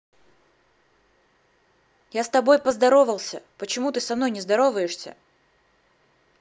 я с тобой поздоровался почему ты со мной не здороваешься